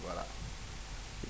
voilà